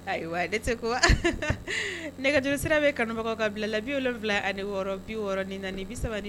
Ayiwa ne tɛ kuma nɛgɛjuru sira bɛ ye kanubagaw ka bila la 76 64